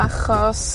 Achos